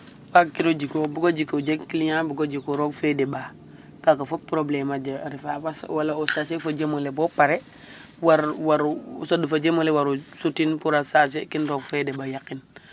waagkiro jiku o bugo jiku jeg client bugo jiku roog fe deɓaa kaaga fop probleme a refa wala o sarse fo jem ole bo pare war war o soɗ fo jem ole war o sutin war o charger kin roog fe deɓa yaqin.